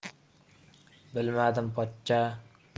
bilmadim pochcha